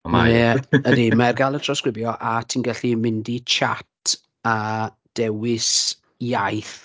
Ie ydy, mae ar gael i trawsgrifio, a ti'n gallu mynd i chat a dewis iaith.